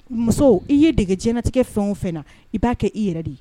Muso i ye dege jɲɛnatigɛ fɛn o fɛ i b'a kɛ i yɛrɛ de ye